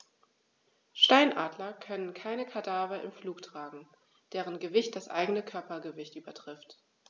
Steinadler können keine Kadaver im Flug tragen, deren Gewicht das eigene Körpergewicht übertrifft.